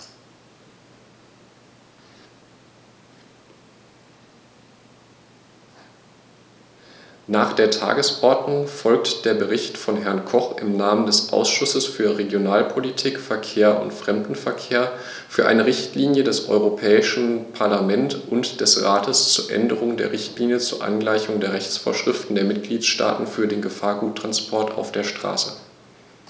Nach der Tagesordnung folgt der Bericht von Herrn Koch im Namen des Ausschusses für Regionalpolitik, Verkehr und Fremdenverkehr für eine Richtlinie des Europäischen Parlament und des Rates zur Änderung der Richtlinie zur Angleichung der Rechtsvorschriften der Mitgliedstaaten für den Gefahrguttransport auf der Straße.